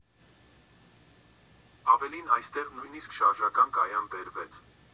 Ավելին՝ այստեղ նույնիսկ շարժական կայան բերվեց։